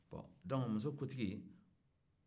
dɔnki muso kotigi